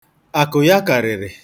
Akụ ya karịrị.